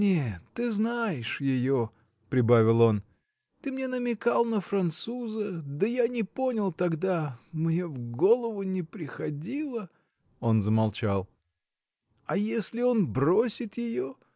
— Нет, ты знаешь ее, — прибавил он, — ты мне намекал на француза, да я не понял тогда. мне в голову не приходило. — Он замолчал. — А если он бросит ее?